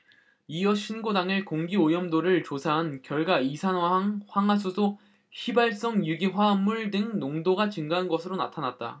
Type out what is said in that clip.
이어 신고 당일 공기오염도를 조사한 결과 이산화황 황화수소 휘발성유기화합물 등 농도가 증가한 것으로 나타났다